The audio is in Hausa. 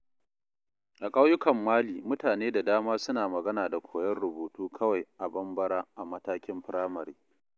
A ƙauyukan Mali, mutane da dama suna magana da koyon rubutu kawai a Bambara a matakin firamare.